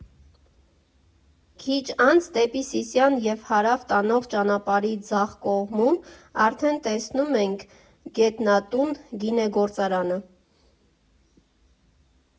Քիչ անց, դեպի Սիսիան և հարավ տանող ճանապարհի ձախ կողմում արդեն տեսնում ենք «Գետնատուն» գինեգործարանը։